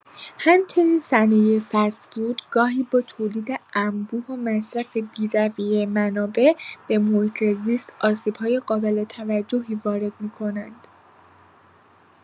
همچنین صنایع فست‌فود گاهی با تولید انبوه و مصرف بی‌رویه منابع، به محیط‌زیست آسیب‌های قابل توجهی وارد می‌کنند.